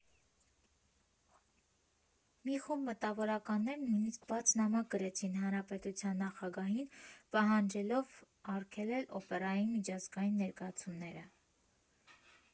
Մի խումբ մտավորականներ նույնիսկ բաց նամակ գրեցին հանրապետության նախագահին՝ պահանջելով արգելեր օպերայի միջազգային ներկայացումները։